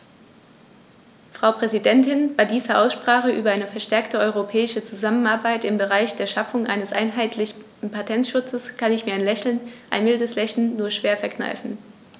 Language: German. Frau Präsidentin, bei dieser Aussprache über eine verstärkte europäische Zusammenarbeit im Bereich der Schaffung eines einheitlichen Patentschutzes kann ich mir ein Lächeln - ein mildes Lächeln - nur schwer verkneifen.